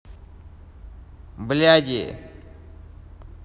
бляди